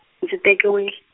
ndzi tekiwi- .